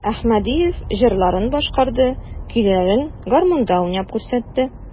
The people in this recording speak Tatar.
Әхмәдиев җырларын башкарды, көйләрен гармунда уйнап күрсәтте.